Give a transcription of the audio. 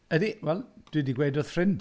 Ydy wel dwi 'di gweud wrth ffrind...